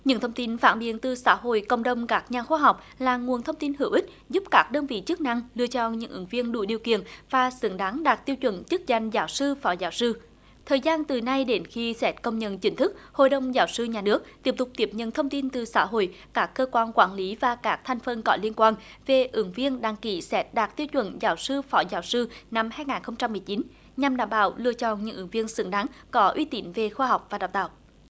những thông tin phản biện từ xã hội cộng đồng các nhà khoa học là nguồn thông tin hữu ích giúp các đơn vị chức năng lựa chọn những ứng viên đủ điều kiện và xứng đáng đạt tiêu chuẩn chức danh giáo sư phó giáo sư thời gian từ nay đến khi xét công nhận chính thức hội đồng giáo sư nhà nước tiếp tục tiếp nhận thông tin từ xã hội các cơ quan quản lý và các thành phần có liên quan về ứng viên đăng ký xét đạt tiêu chuẩn giáo sư phó giáo sư năm hai ngàn không trăm mười chín nhằm đảm bảo lựa chọn những ứng viên xứng đáng có uy tín về khoa học và đào tạo